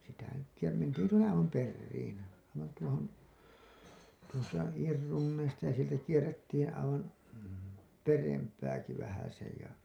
sitä nyt ja mentiin tuonne aivan perään aivan tuohon tuosta Iin Runneista ja sieltä kierrettiin aivan perempääkin vähäsen ja